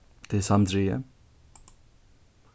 tað er samdrigið